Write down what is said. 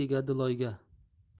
keting tegadi loyga